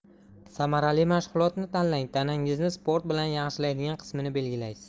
samarali mashg'ulotni tanlang tanangizni sport bilan yaxshilaydigan qismini belgilaysiz